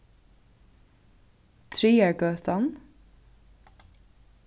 traðargøtan